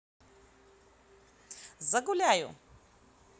загуляю